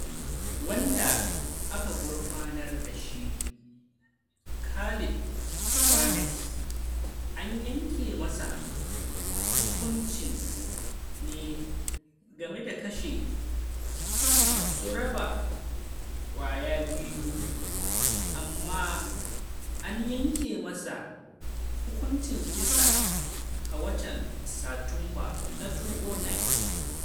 Wanda aka gurfanar da shi, Khalid Barnes, an yanke masa hukunci ne game da kashe masu raba kwaya biyu, amma an yanke masa hukuncin kisa a watan Satumba na 2009.